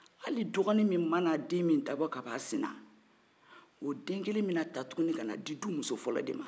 hali dɔgɔni min mana de min dabɔ ka bɔ sin na o den kelen bɛna ta tun kana di dumuso fɔlɔ de man